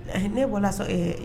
Ne bɔra so ee